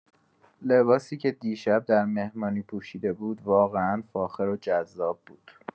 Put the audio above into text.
لباسی که دیشب در مهمانی پوشیده بود، واقعا فاخر و جذاب بود.